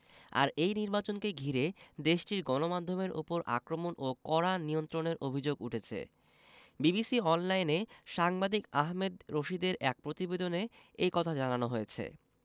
আর এই নির্বাচনকে ঘিরে দেশটির গণমাধ্যমের ওপর আক্রমণ ও কড়া নিয়ন্ত্রণের অভিযোগ উঠেছে বিবিসি অনলাইনে সাংবাদিক আহমেদ রশিদের এক প্রতিবেদনে এ কথা জানানো হয়েছে